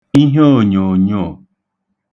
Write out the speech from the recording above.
ihoònyòònyoò